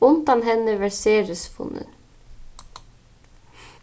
undan henni varð ceres funnin